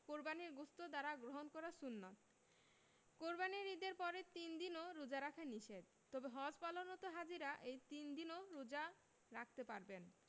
কোরবানির গোশত দ্বারা গ্রহণ করা সুন্নত কোরবানির ঈদের পরের তিন দিনও রোজা রাখা নিষেধ তবে হজ পালনরত হাজিরা এই তিন দিনও রোজা রাখতে পারবেন